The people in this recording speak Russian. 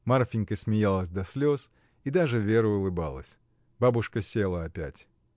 Марфинька смеялась до слез, и даже Вера улыбалась. Бабушка села опять.